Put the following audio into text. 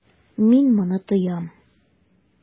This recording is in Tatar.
Мин моны тоям.